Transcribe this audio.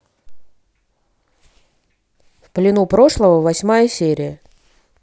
в плену прошлого восьмая серия